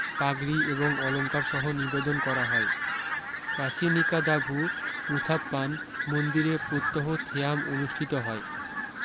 পাগড়ি এবং অলংকার সহ নিবেদন করা হয় প্রাসিনিকাদাভু মুথাপ্পান মন্দিরে প্রত্যহ থেয়াম অনুষ্ঠিত হয়